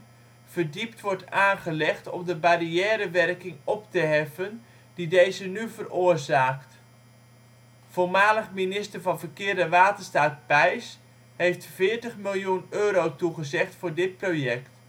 aangelegd om de barrièrewerking op te heffen die deze nu veroorzaakt. Voormalig Minister van Verkeer en Waterstaat Peijs heeft 40 miljoen euro toegezegd voor dit project